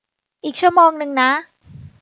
อีกชั่วโมงนึงนะ